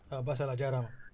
ah maasàllaa jaaraama